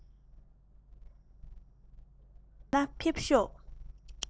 མི ཕོ འཇོན ན ཕེབས ཤོག